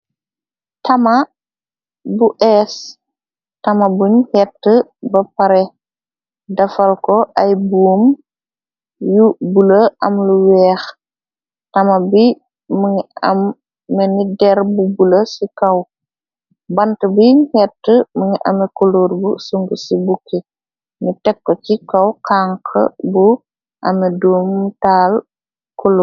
Tama bu ees tama buñ xett ba pare dafal ko ay buum yu bule am lu weex tama bi mu ngi am meni der bu bula ci kaw bant bi xett ma ngi ame kuloor bu sung ci bukke nu tekko ci kaw kank bu ame dum taal culor.